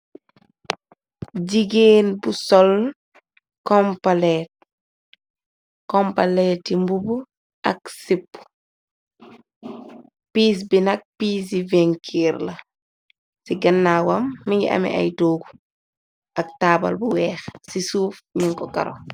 Jigéen bu sol kompaleeti mbubu ak sipu piis bi nak piis ci vinkir la ci gannawam mi ngi ame ay toogu ak taabal bu weex ci suuf ñun ko karo.